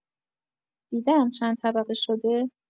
دیده‌ام چند طبقه شده؟